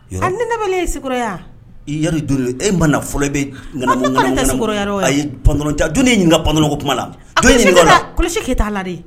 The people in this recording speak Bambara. Ni e ma fɔlɔ bɛ ban kuma ke la